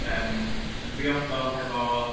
yym yn briodol hefo